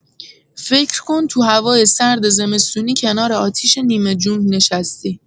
فکر کن تو هوای سرد زمستونی کنار آتیش نیمه جون نشستی.